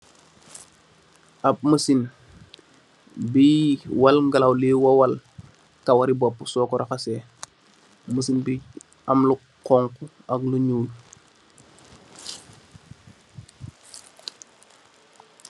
Ab macin bi wal ngalaw li wawal kawari boppu so ko raxase, macin bi am lu xonxu, ak lu nyuul